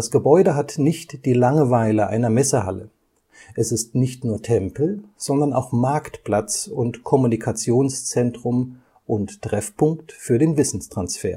Gebäude hat nicht die Langeweile einer Messehalle, es ist nicht nur Tempel, sondern auch Marktplatz und Kommunikationszentrum und Treffpunkt für den Wissenstransfer